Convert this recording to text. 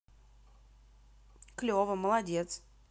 клево молодец